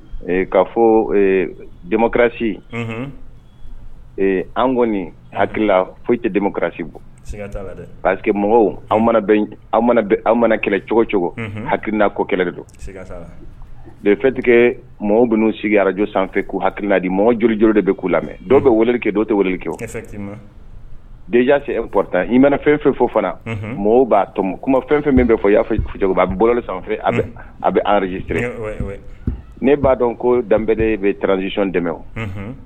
K ka fɔsi an kɔni hakilila foyi tɛsi pa que mɔgɔw mana kɛlɛ cogo cogo hakiina ko kɛlɛ don ye fɛntigɛ mɔgɔw'u sigi araj sanfɛ k' hakiinadi mɔgɔjjlo de bɛ' la mɛ dɔw bɛ wele kɛ dɔw tɛli kɛ denjasep pta i mana fɛn fɛn fo fana mɔgɔw b'a tomɔ kuma fɛn fɛn min bɛ fɔ y'a fɔ cogoba a bɛ bɔla sanfɛ a bɛj ne b'a dɔn ko dannen bɛ tranzsi dɛmɛ